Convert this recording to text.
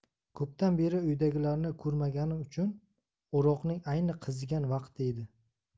ko'pdan beri uydagilarni ko'rmaganim uchun o'roqning ayni qizigan vaqti edi